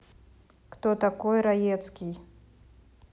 кто такой раецкий